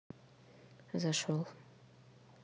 зашел